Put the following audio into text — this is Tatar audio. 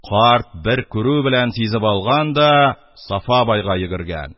Карт бер күрү берлән сизеп алган да Сафа байга йөгергән: